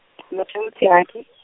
motho motshehadi.